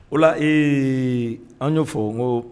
O ee an'o ɲɛfɔ n ko